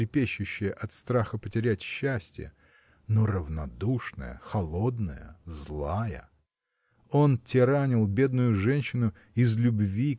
трепещущая от страха потерять счастье – но равнодушная холодная злая. Он тиранил бедную женщину из любви